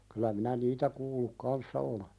kyllä minä niitä kuullut kanssa olen